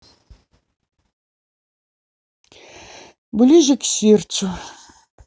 ближе к сердцу